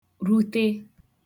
rute